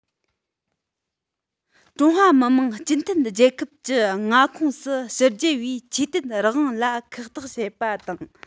ཀྲུང ཧྭ མི དམངས སྤྱི མཐུན རྒྱལ ཁབ ཀྱི མངའ ཁོངས སུ ཕྱི རྒྱལ བའི ཆོས དད རང དབང ལ ཁག ཐེག བྱེད པ དང